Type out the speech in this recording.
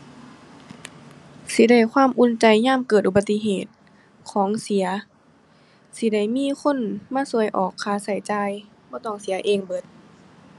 สิได้ความอุ่นใจยามเกิดอุบัติเหตุ ของเสีย สิได้มีคนมาช่วยออกค่าช่วยจ่าย บ่ต้องเสียเองเบิด